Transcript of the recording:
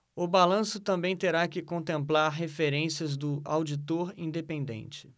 o balanço também terá que contemplar referências do auditor independente